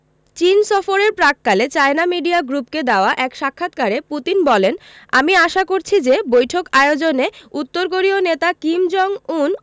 চীন সফরের প্রাক্কালে চায়না মিডিয়া গ্রুপকে দেওয়া এক সাক্ষাৎকারে পুতিন বলেন আমি আশা করছি যে বৈঠক আয়োজনে উত্তর কোরীয় নেতা কিম জং উন